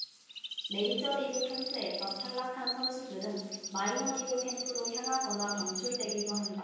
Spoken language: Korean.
메이저리그 캠프에서 탈락한 선수들은 마이너리그 캠프로 향하거나 방출되기도 한다